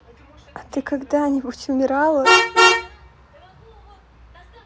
а ты когда нибудь умирала